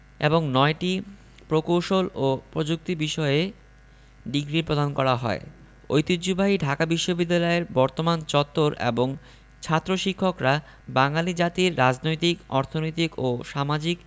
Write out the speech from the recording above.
এবং ৯টি প্রকৌশল ও প্রযুক্তি বিষয়ে ডিগ্রি প্রদান করা হয় ঐতিহ্যবাহী ঢাকা বিশ্ববিদ্যালয়ের বর্তমান চত্বর এবং এর ছাত্র শিক্ষকরা বাঙালি জাতির রাজনৈতিক অর্থনৈতিক ও সামাজিক